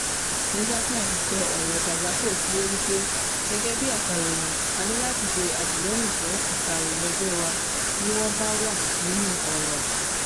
Nyssatimes sọ ọ̀rọ̀ Kazako tí ó wí pé: "Gẹ́gẹ́ bíi akàròyìn, a ní láti ṣe àtìlẹ́yìn fún akàròyìn ẹgbẹ́ wa bí wọ́n bá wà nínú ọ̀ràn.